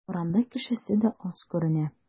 Урамда кешесе дә аз күренә.